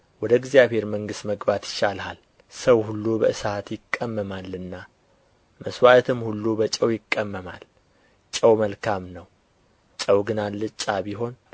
ወደ እግዚአብሔር መንግሥት መግባት ይሻልሃል ሰው ሁሉ በእሳት ይቀመማልና መሥዋዕትም ሁሉ በጨው ይቀመማል ጨው መልካም ነው ጨው ግን አልጫ ቢሆን